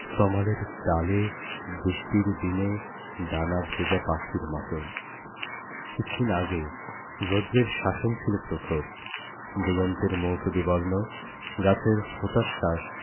তমালের ডালে বৃষ্টির দিনে ডানা ভেজা পাখির মত কিছুদিন আগে রৌদ্রের শাসন ছিল প্রখর দিগন্তের মুখ বিবর্ণ গাছের হতাশ্বাস